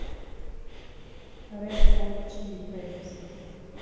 red hot chili peppers